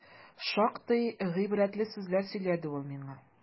Шактый гыйбрәтле сүзләр сөйләде ул миңа.